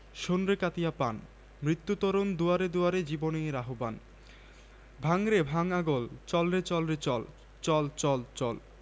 রন সঙ্গীত কথা ও সুর বিদ্রোহী কবি কাজী নজরুল ইসলাম সংগৃহীত জাতীয় শিক্ষাক্রম ও পাঠ্যপুস্তক বোর্ড বাংলা বই এর অন্তর্ভুক্ত